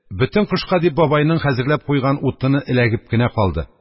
Бөтен кышка дип бабайның хәзерләп куйган утыны эләгеп кенә калды.